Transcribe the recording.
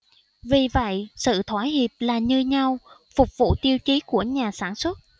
vì vậy sự thỏa hiệp là như nhau phục vụ tiêu chí của nhà sản xuất